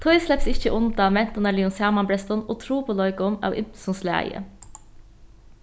tí slepst ikki undan mentanarligum samanbrestum og trupulleikum av ymsum slag